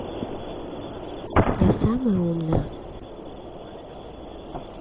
я самая умная